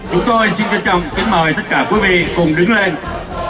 chúng tôi xin trân trọng kính mời tất cả quý vị cùng đứng lên